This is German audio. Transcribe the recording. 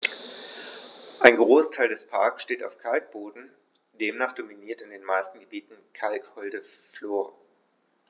Ein Großteil des Parks steht auf Kalkboden, demnach dominiert in den meisten Gebieten kalkholde Flora.